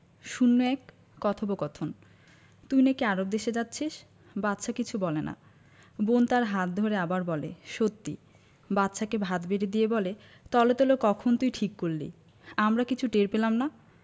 ০১ কথোপকথন তুই নাকি আরব দেশে যাচ্ছিস বাদশা কিছু বলে না বোন তার হাত ধরে আবার বলে সত্যি বাদশাকে ভাত বেড়ে দিয়ে বলে তলে তলে কখন তুই ঠিক করলি আমরা কিচ্ছু টের পেলাম না